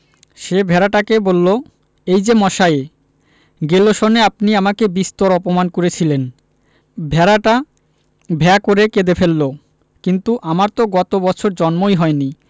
সে ভেড়াটাকে বলল এই যে মশাই গেল সনে আপনি আমাকে বিস্তর অপমান করেছিলেন ভেড়াটা ভ্যাঁ করে কেঁদে ফেলল কিন্তু আমার তো গত বছর জন্মই হয়নি